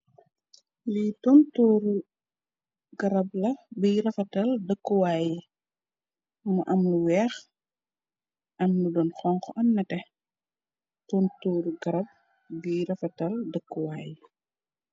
Li tontur ri garag la lui refetal dekuwai mu am lu weex am lu xonko am neteh tontur garab bi refetal dekuwai.